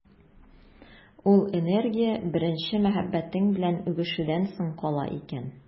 Ул энергия беренче мәхәббәтең белән үбешүдән соң кала икән.